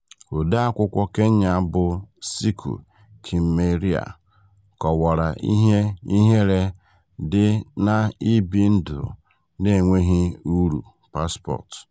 Odee akwụkwọ Kenya bụ Ciku Kimeria kọwara ihe ihere dị n'ibi ndụ n'enweghị ụrụ paspọtụ.